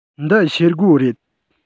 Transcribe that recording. འདི ཤེལ སྒོ རེད